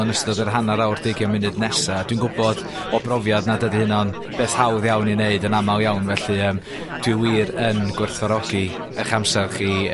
yn ystod yr hanner awr deugian munud nesa. Dwi'n gwbod o brofiad nad ydi hyna'n beth hawdd iawn i wneud yn amal iawn, felly yym dwi wir yn gwerthfawrogi 'ych amser chi